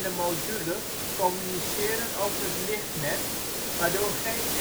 module communiceren over het lichtnet, waardoor geen